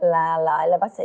là lại là bác sĩ